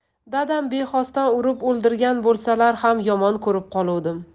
dadam bexosdan urib o'ldirgan bo'lsalar ham yomon ko'rib qoluvdim